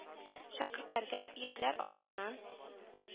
Шәкертләргә йөкләр артыннан